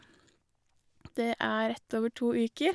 Det er rett over to uker.